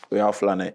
O y'an filan ye